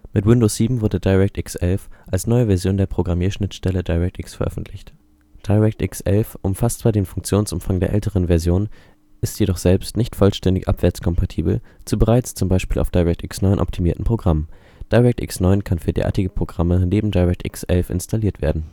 Windows 7 wurde DirectX 11 als neue Version der Programmierschnittstelle DirectX veröffentlicht. DirectX 11 umfasst zwar den Funktionsumfang der älteren Versionen, ist jedoch selbst nicht vollständig abwärtskompatibel zu bereits z. B. auf DirectX 9 optimierten Programmen. DirectX 9 kann für derartige Programme neben DirectX 11 installiert werden